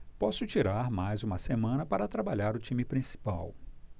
posso tirar mais uma semana para trabalhar o time principal